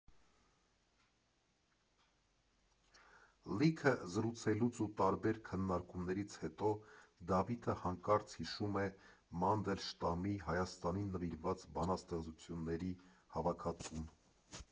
Լիքը զրուցելուց ու տարբեր քննարկումներից հետո Դավիթը հանկարծ հիշում է Մանդելշտամի՝ Հայաստանին նվիրված բանաստեղծությունների հավաքածուն։